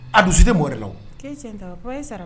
A dusu tɛ mɔgɔ wɛrɛ la